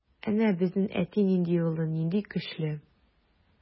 Әнә безнең әти нинди олы, нинди көчле.